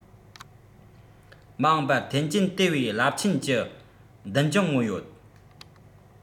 མ འོངས པར ཐེན ཅིན དེ བས རླབས ཆེན གྱི མདུན ལྗོངས མངོན ཡོད